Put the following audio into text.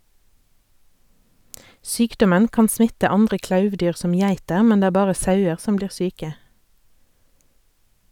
Sykdommen kan smitte andre klauvdyr som geiter, men det er bare sauer som blir syke.